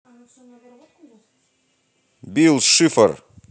билл шифр